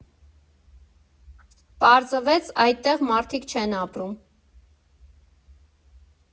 Պարզվեց՝ այդտեղ մարդիկ չեն ապրում։